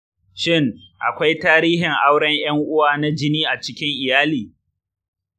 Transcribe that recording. shin akwai tarihin auren ‘yan uwa na jini a cikin iyali?